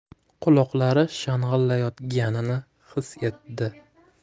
quloqlari shang'illayotganini his etdi